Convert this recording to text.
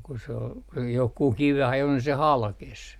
ja kun se oli johonkin kiveen ajoi niin se halkesi